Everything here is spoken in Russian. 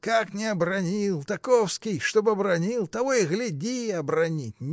как не обронил: таковский, чтоб обронил! того и гляди – обронит!